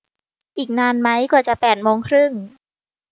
อีกนานไหมกว่าจะแปดโมงครึ่ง